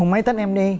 mùng mấy tết em đi